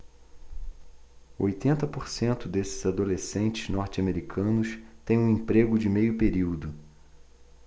oitenta por cento desses adolescentes norte-americanos têm um emprego de meio período